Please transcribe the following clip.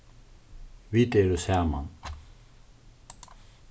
vit eru saman